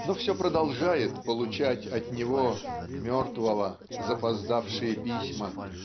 но все продолжает получать от него мертвого запоздавшие письма